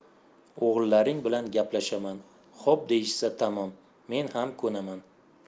o'g'illaring bilan gaplashaman xo'p deyishsa tamom men ham ko'naman